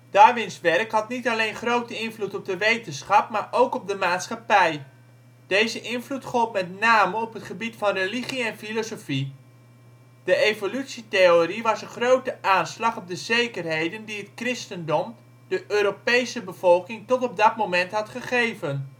Darwins werk had niet alleen grote invloed op de wetenschap, maar ook op de maatschappij. Deze invloed gold met name op het gebied van religie en filosofie. De evolutietheorie was een grote aanslag op de zekerheden die het christendom de Europese bevolking tot op dat moment had gegeven